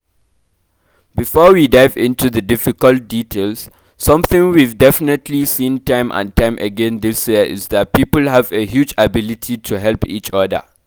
Before we dive into the difficult details, something we’ve definitely seen time and time again this year is that people have a huge ability to help each other.